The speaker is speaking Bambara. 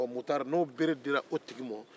ɔ mutari ni o bere dira o tigi ma